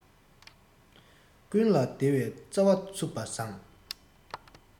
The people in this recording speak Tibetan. ཀུན ལ བདེ བའི རྩ བ བཙུགས པ བཟང